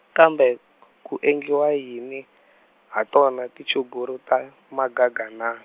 kambe, ku endliwa yini, ha tona tinchuguru ta, magaga na?